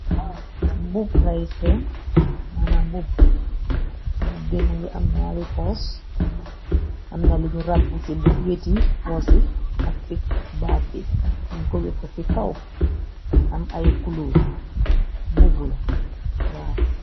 Bub ngay sen mana mbub bu gén ngi am noiri pors am na liñu rab b ci wéti wosi ak ci baaddi luñ ko yekk ci kaw am ay kuluuf mbugbu la gaam.